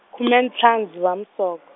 khume ntlhanu Dzivamusoko.